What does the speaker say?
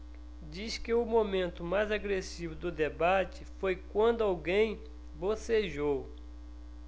diz que o momento mais agressivo do debate foi quando alguém bocejou